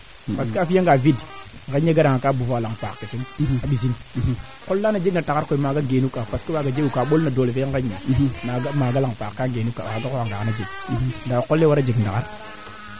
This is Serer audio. ma foofi daaga i comme peel keke ndefna no saate ke in rek maaga na xooxel naaga boog ga'um de ngooxa yaaga to wee maad na ngooxa ndiiki yitam maaga de ngoxano yo